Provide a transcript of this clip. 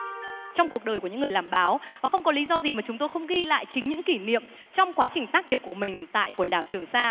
trong cuộc đời của những người làm báo mà không có lý do gì mà chúng tôi không ghi lại chính những kỷ niệm trong quá trình tác nghiệp của mình tại quần đảo trường sa